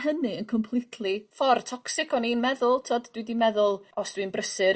hynny yn completely ffor toxic o'n i'n meddwl t'od dwi 'di meddwl os dwi'n brysur